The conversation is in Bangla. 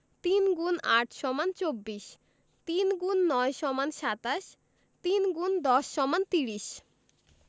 ৩ X ৮ = ২৪ ৩ X ৯ = ২৭ ৩ ×১০ = ৩০